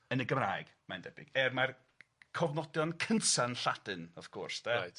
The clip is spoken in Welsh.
yn y Gymraeg mae'n debyg, er mae'r c- c- cofnodion cynta yn Lladin wrth gwrs 'de. Reit.